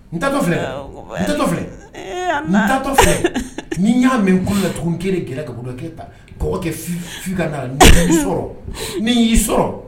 N taa tɔ filɛ, n taa tɔ filɛ, n taa tɔ filɛ. , pleure . Ɛɛ Ala! N'i y'a mɛn tula tuguni k'e de gɛrɛ k'a b'ɔ k'e bɛ taa kɔkɔ kɛ Fifi ka na la, n'i y'i sɔrɔ, ni y'i sɔrɔ.